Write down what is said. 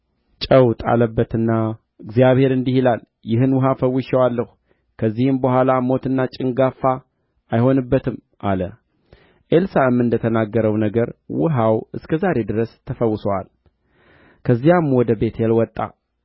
ምድሪቱም ፍሬዋን ትጨነግፋለች አሉት እርሱም አዲስ ማሰሮ አምጡልኝ ጨውም ጨምሩበት አለ ያንንም አመጡለት ውኃው ወዳለበቱም ምንጭ ወጥቶ